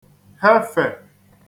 hefè